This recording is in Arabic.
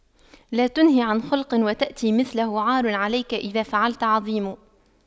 لا تنه عن خلق وتأتي مثله عار عليك إذا فعلت عظيم